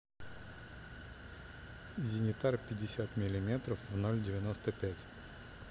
зенитар пятьдесят миллиметров в ноль девяносто пять